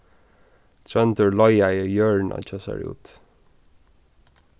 tróndur leigaði jørðina hjá sær út